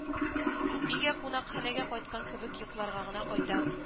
Өйгә кунакханәгә кайткан кебек йокларга гына кайтам